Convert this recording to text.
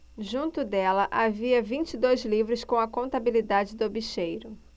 junto dela havia vinte e dois livros com a contabilidade do bicheiro